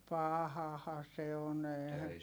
pahahan se on eihän